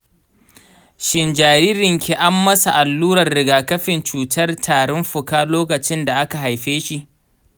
shin jaririnki ammasa allurarar rigakifin cutar tarin fuka lokacinda aka haifeshi?